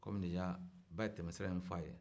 kɔmi deja ba ye tɛmɛ sira in f'a ye